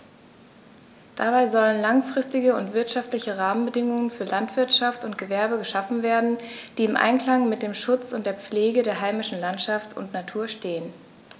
Dabei sollen langfristige und wirtschaftliche Rahmenbedingungen für Landwirtschaft und Gewerbe geschaffen werden, die im Einklang mit dem Schutz und der Pflege der heimischen Landschaft und Natur stehen.